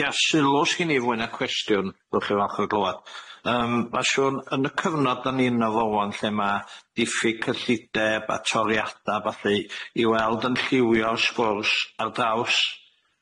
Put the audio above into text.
Ia ia sylw s' gin i fwy na' cwestiwn fyddwch chi falch o glywad yym ma' shŵr yn y cyfnod 'dan ni yn y fo ŵan lle ma' diffyg cyllideb a toriada a ballu i weld yn lliwio sgwrs ar draws